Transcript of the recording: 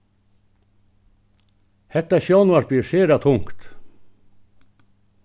hetta sjónvarpið er sera tungt